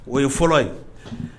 O ye fɔlɔ ye.